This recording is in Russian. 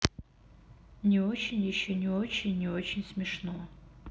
не очень еще не очень не очень смешно